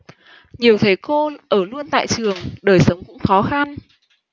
nhiều thầy cô ở luôn tại trường đời sống cũng khó khăn